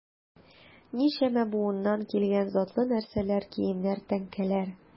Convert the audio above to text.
Ничәмә буыннан килгән затлы нәрсәләр, киемнәр, тәңкәләр...